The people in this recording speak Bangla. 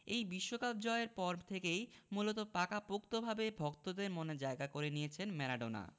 এই বিশ্বকাপ জয়ের পর থেকেই মূলত পাকাপোক্তভাবে ভক্তদের মনে জায়গা করে নিয়েছেন ম্যারাডোনা